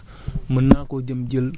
par exemple man mi am sama fumier